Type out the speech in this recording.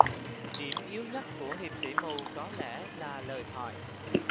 điểm yếu nhất của hiệp sĩ mù có lẽ là lời thoại